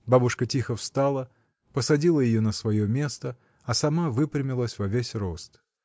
Бабушка тихо встала, посадила ее на свое место, а сама выпрямилась во весь рост.